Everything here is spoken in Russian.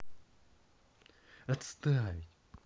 отставить